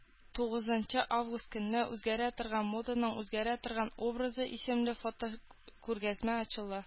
Тугызынчы август көнне “Үзгәрә торган моданың үзгәрә торган образы” исемле фотокүргәзмә ачыла